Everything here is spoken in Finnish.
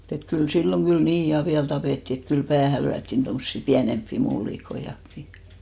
että kyllä silloin kyllä niin ja vielä tapettiin että kyllä päähän lyötiin tuommoisia pienempiä mullikoitakin